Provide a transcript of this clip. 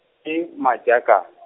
ke majakane.